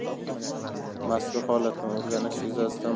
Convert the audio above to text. mazkur holatni o'rganish yuzasidan